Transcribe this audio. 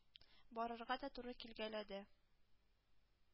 Барырга да туры килгәләде.